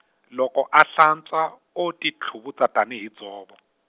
loko a hlantswa o ti tlhuvutsa tani hi dzovo.